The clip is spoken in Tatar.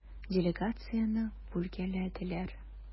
Делегацияне бүлгәләделәр.